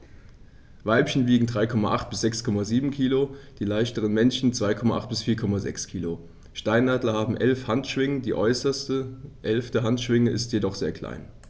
Weibchen wiegen 3,8 bis 6,7 kg, die leichteren Männchen 2,8 bis 4,6 kg. Steinadler haben 11 Handschwingen, die äußerste (11.) Handschwinge ist jedoch sehr klein.